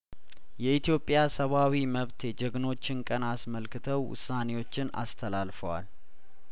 የኢትዮጵያ ሰብአዊ መብት የጀግኖችን ቀን አስመልክተው ውሳኔዎችን አስተላልፈዋል